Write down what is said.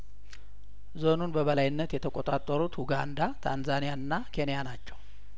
ዞኑን በበላይነት የተቆጣጠሩት ኡጋንዳ ታንዛኒያና ኬንያ ናቸው